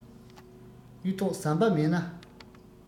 གཡུ ཐོག ཟམ པ མེད ན